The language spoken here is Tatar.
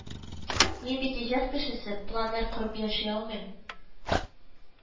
Мин бит иҗат кешесе, планнар корып яши алмыйм